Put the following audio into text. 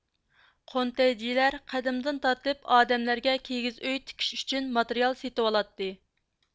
قۇنتەيجىلەر قەدىمدىن تارتىپ ئادەملەرگە كىگىز ئۆي تىكىش ئۈچۈن ماتېرىيال سېتىۋالاتتى